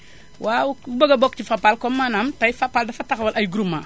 waaw ku bëgg a bokk ci Fapal comme maanaam tay Fapal dafa taxawal ay groupement